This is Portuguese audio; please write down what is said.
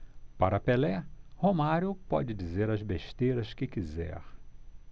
para pelé romário pode dizer as besteiras que quiser